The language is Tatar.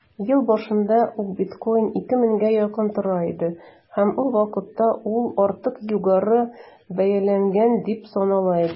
Ел башында ук биткоин 2 меңгә якын тора иде һәм ул вакытта ук артык югары бәяләнгән дип санала иде.